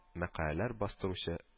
Мәкаләләр бастыручы